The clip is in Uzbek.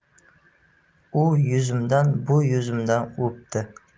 u yuzimdan bu yuzimdan o'pdi